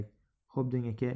xo'p deng aka